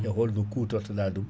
e holno kutortoɗa ɗum